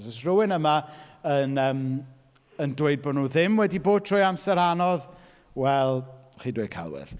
Os oes rywun yma yn yym, yn dweud bod nhw ddim wedi bod trwy amser anodd, wel, chi'n dweud celwydd.